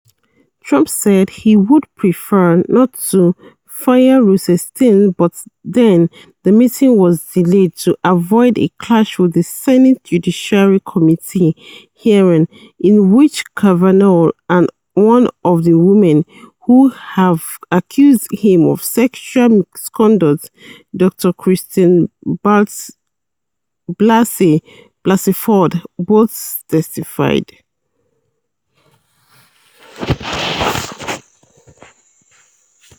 Trump said he would "prefer not" to fire Rosenstein but then the meeting was delayed to avoid a clash with the Senate judiciary committee hearing in which Kavanaugh and one of the women who have accused him of sexual misconduct, Dr Christine Blasey Ford, both testified.